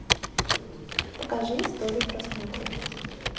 покажи историю просмотров